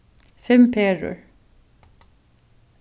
fimm perur